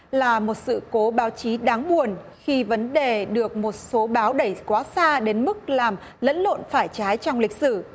là một sự cố báo chí đáng buồn khi vấn đề được một số báo đẩy quá xa đến mức làm lẫn lộn phải trái trong lịch sử